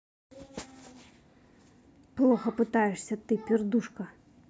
плохо пытаешься ты пердушка